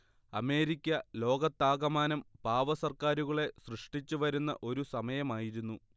America ലോകത്താകമാനം പാവ സർക്കാരുകളെ സൃഷ്ടിച്ചു വരുന്ന ഒരു സമയമായിരുന്നു